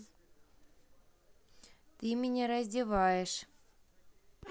ты меня раздеваешь